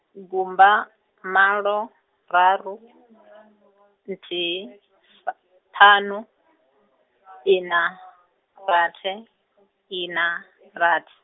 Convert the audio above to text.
gumba, malo, raru , nthihi , ṱhanu , ina, rathe, ina, rath-.